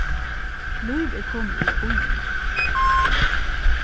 lív er komið í býin